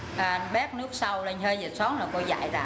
bếp nước sôi à hai giờ sáng là cô dạy rồi